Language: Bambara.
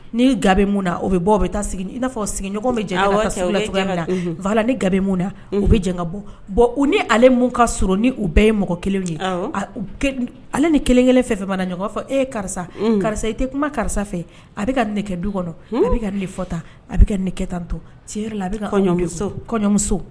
Ni ga min na o bɛ bɔ bɛ taa sigia sigiɲɔgɔn bɛ cogoya min fa la ni ga na u bɛ janka bɔ bɔn u ni ale min ka sɔrɔ ni u bɛɛ ye mɔgɔ kelen ye ale ni kelenkelen fɛ fɛ mana ɲɔgɔnɔgɔ fɔ e ye karisa karisa i tɛ kuma karisa fɛ a bɛ ka nɛgɛ du kɔnɔ a bɛ ka fɔta a bɛ ka nɛgɛ tan to ci yɛrɛ la a bɛ kɔɲɔ kɔɲɔmuso